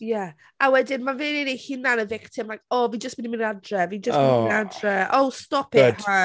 Ie, a wedyn ma' fe'n wneud ei hunan yn victim, like "O, fi jyst yn mynd i fynd adre, fi jyst"... O!... "yn mynd i fynd adre." Oh stop it hun.